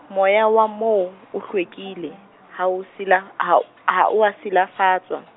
moya wa moo o hlwekile, ha o sila-, ha o a silafatswa.